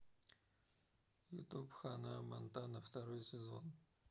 ютуб ханна монтана второй сезон